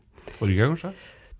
torget kanskje?